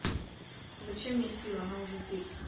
зачем мне сил она уже здесь